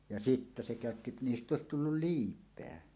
ja sitten se käytti niistä olisi tullut liipeä